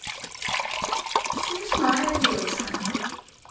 смешная девушка